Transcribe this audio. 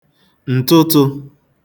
ǹtụtụ̄